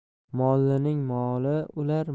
mollining moli o'lar